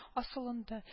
Асылынды